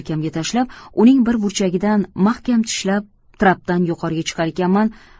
yelkamga tashlab uning bir burchagidan mahkam tishlab trapdan yuqoriga chiqar ekanman